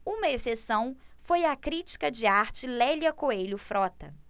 uma exceção foi a crítica de arte lélia coelho frota